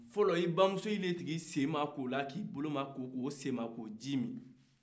fɔlɔ i bamusow de tun bi sen mako k'i bolo mako k'o senmakoji min